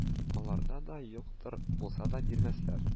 Аларда да юктыр, булса да бирмәсләр